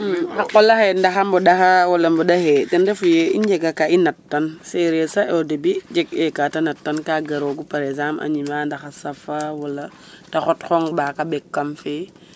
Xa qol axe ndax mboɗaxaa wala mboɗaxee ten ndefu yee i njega ka i nattan. Seereer sax au début jeg'ee ka ta natan ka garoogu par exemple a ñimaa ndax a safa wala te xot xoŋ ɓaak a ɓek kam fe.